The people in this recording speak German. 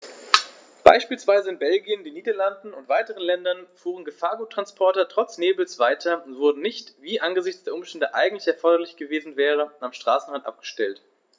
Beispielsweise in Belgien, den Niederlanden und weiteren Ländern fuhren Gefahrguttransporter trotz Nebels weiter und wurden nicht, wie es angesichts der Umstände eigentlich erforderlich gewesen wäre, am Straßenrand abgestellt.